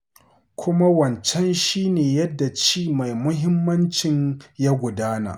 Kuma wancan shi ne yadda ci mai muhimmancin ya gudana.